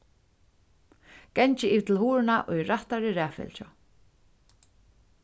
gangið yvir til hurðina í rættari raðfylgju